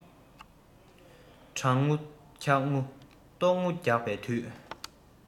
གྲང ངུ འཁྱག ངུ ལྟོགས ངུ རྒྱག པའི དུས